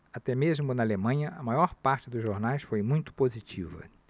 até mesmo na alemanha a maior parte dos jornais foi muito positiva